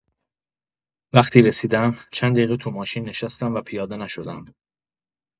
وقتی رسیدم، چند دقیقه تو ماشین نشستم و پیاده نشدم.